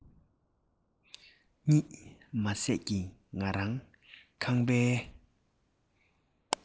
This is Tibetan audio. གཉིད མ སད ཀྱི ང རང ཁང པའི